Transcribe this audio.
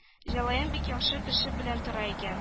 Җәләем бик яхшы кеше белән тора икән